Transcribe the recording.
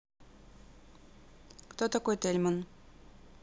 кто такой тельман